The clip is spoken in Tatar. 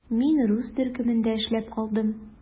Мин рус төркемендә эшләп калдым.